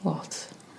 Lot.